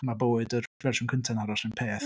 Ma' bywyd yr fersiwn cyntaf yn aros yr un peth.